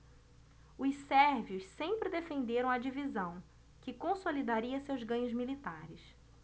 os sérvios sempre defenderam a divisão que consolidaria seus ganhos militares